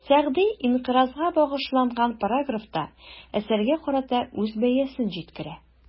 Сәгъди «инкыйраз»га багышланган параграфта, әсәргә карата үз бәясен җиткерә.